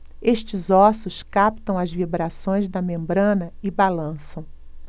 estes ossos captam as vibrações da membrana e balançam